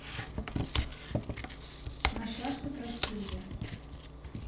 нашла что просил я